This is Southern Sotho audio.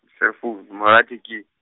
cell phone, mohala wa thekeng.